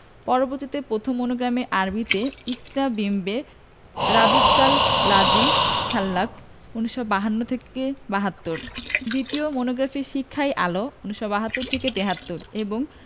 পরিবর্তিত প্রথম মনোগ্রামে আরবিতে ইকরা বিস্মে রাবিবকাল লাজি খালাক্ক ১৯৫২ থেকে৭২ দ্বিতীয় মনোগ্রামে শিক্ষাই আলো ১৯৭২ থেকে৭৩ এবং